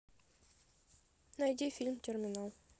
найди фильм терминал